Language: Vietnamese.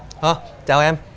hơ chào em